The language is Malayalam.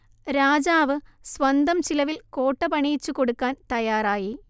രാജാവ് സ്വന്തം ചിലവിൽ കോട്ട പണിയിച്ചു കൊടുക്കാൻ തയ്യാറായി